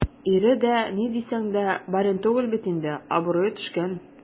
Ире дә, ни дисәң дә, барин түгел бит инде - абруе төшкән.